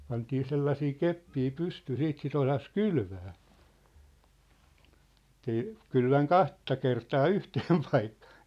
pantiin sellaisia keppejä pystyyn sitten sitä osasi kylvää että ei kylvänyt kahta kertaa yhteen paikkaan